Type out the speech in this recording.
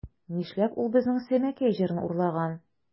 Нишләп ул безнең Сәмәкәй җырын урлаган?